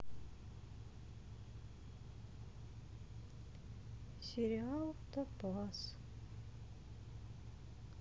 сериал топаз